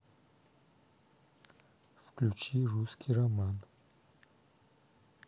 включи русский роман